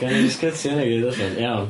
Gawn ni sgirtio hynna i gyd allan iawn.